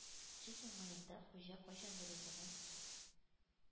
Сүз уңаенда Хуҗа кайчандыр үзенең